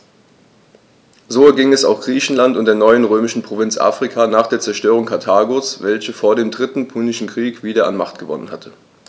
So erging es auch Griechenland und der neuen römischen Provinz Afrika nach der Zerstörung Karthagos, welches vor dem Dritten Punischen Krieg wieder an Macht gewonnen hatte.